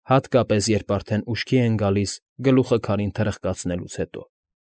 Հատկապես, երբ արդեն ուշքի են գալիս գլուխը քարին թրխկացնելուց հետո։